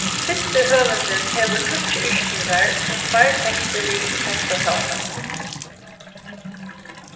fyrsti høvundurin hevur tíggju yrkingar og tveir tekstir við í tekstasavninum s